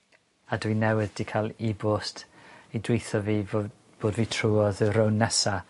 A dwi newydd 'di ca'l i-bost i dweutho fi fo- fod fi trwodd i'r rownd nesa.